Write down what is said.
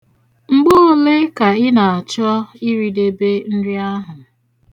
Mgbe ole ka ị na-achọ iridebe nri ahụ?